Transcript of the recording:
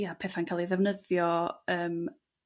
ia pethau'n cael ei ddefnyddio yrm